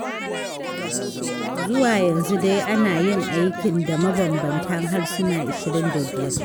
Zuwa yanzu dai ana yin aikin da mabambanta harsuna 25.